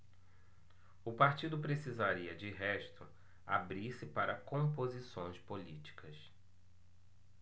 o partido precisaria de resto abrir-se para composições políticas